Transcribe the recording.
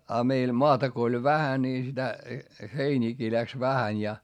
ja meillä maata kun oli vähän niin sitä heiniäkin lähti vähän ja